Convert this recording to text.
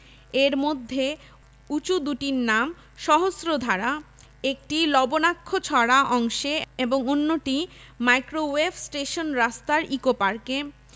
এর মধ্যে উঁচু দুটির নাম সহস্রধারা একটি লবণাক্ষছড়া অংশে এবং অন্যটি মাইক্রোওয়েভ স্টেশন রাস্তার ইকোপার্কে